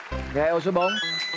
ô số bốn